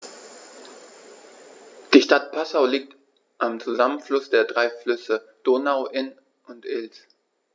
Die Stadt Passau liegt am Zusammenfluss der drei Flüsse Donau, Inn und Ilz.